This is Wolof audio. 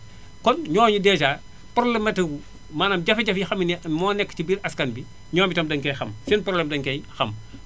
kon ñoonu dèjà poroblematigu maanaam jafe-jafe yi nga xam ne nii moo nekk ci biir askan bi ñoom itam dañu koy xam seen problème dañu koy xam